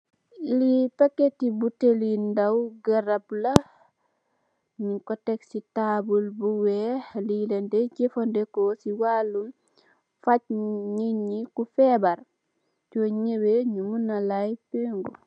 Lii buteli, ndaw yu garab, ñung ko tek si taabul, bu weex, jafëndeko, waalum faggé, ku feebar, soo ñawee, ñu muñ laa peengu.